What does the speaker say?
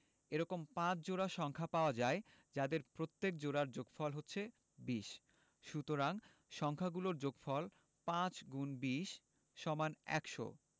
এরকম ৫ জোড়া সংখ্যা পাওয়া যায় যাদের প্রত্যেক জোড়ার যোগফল হচ্ছে ২০ সুতরাং সংখ্যা গুলোর যোগফল ৫*২০=১০০